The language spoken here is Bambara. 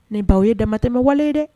Nin baw ye damatɛ ma wale ye dɛ